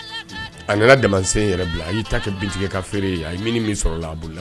A nana damasen yɛrɛ de la. A y'i ta kɛ bin tigɛ ka feere ye. A ye minin min sɔrɔ o la a boli